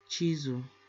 chīzù